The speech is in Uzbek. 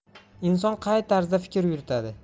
inson qay tarzda fikr yuritadi